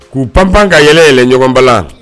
K'u pan pan ka yɛlɛ yɛlɛɛlɛ ɲɔgɔnba la